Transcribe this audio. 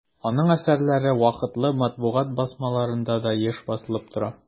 Аның әсәрләре вакытлы матбугат басмаларында да еш басылып тора.